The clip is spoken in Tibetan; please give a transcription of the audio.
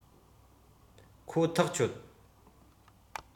ཁོ ཐག ཆོད